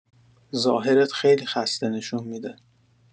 ظاهرت خیلی خسته نشون می‌ده.